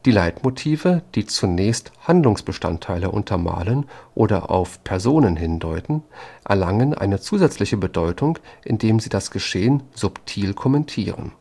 Leitmotive, die zunächst Handlungsbestandteile untermalen oder auf Personen hindeuten, erlangen eine zusätzliche Bedeutung, indem sie das Geschehen subtil kommentieren